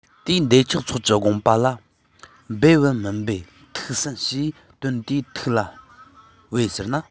དེ འདབ ཆགས ཚོགས ཀྱི དགོངས པ ལ འབབ བམ མི འབབ ཐུགས བསམ བཞེས དོན དེ ཐུགས ལ བབས ཟེར ན